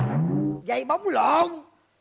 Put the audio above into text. giầy bóng lọn